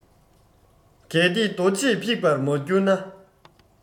གལ ཏེ རྡོ རྗེས ཕིགས པར མ གྱུར ན